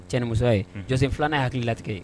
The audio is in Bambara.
Cɛnimuso ye jɔsi filanan ye hakili latigɛ ye